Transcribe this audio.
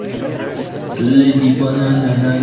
леди банни стала уже невестой